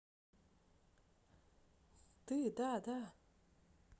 ты да да